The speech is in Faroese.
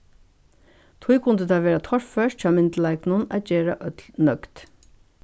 tí kundi tað vera torført hjá myndugleikunum at gera øll nøgd